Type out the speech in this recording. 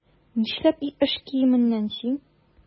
Нишләп эш киеменнән син?